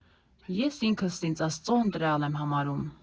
Ես ինքս ինձ Աստծո ընտրյալ եմ համարում.